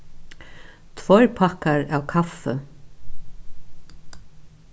tveir pakkar av kaffi